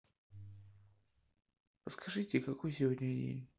подскажи какой сегодня день